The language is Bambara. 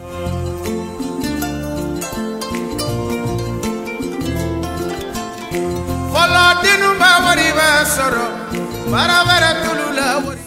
MUSIQUE ET CHANSON